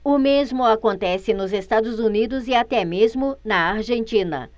o mesmo acontece nos estados unidos e até mesmo na argentina